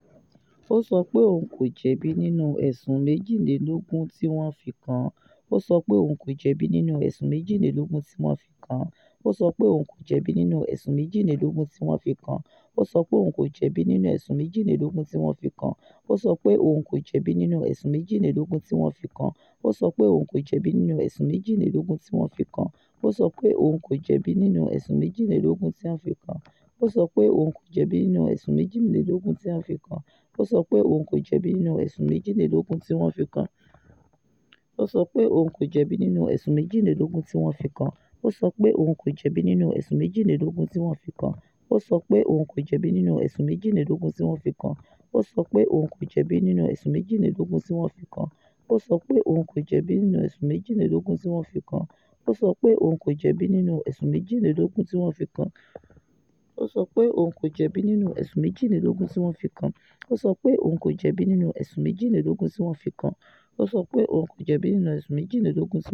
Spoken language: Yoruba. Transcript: Ó sọ pé òun kò jẹ̀bi nínú ẹ̀sùn méjìlélógún tí wọ́n fi kàn án.